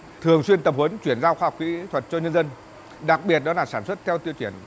thường xuyên tập huấn chuyển giao khoa học kỹ thuật cho nhân dân đặc biệt đó là sản xuất theo tiêu chuẩn